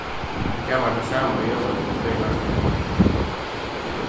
hon gav mær tað sama í jólagávu tvey ár á rað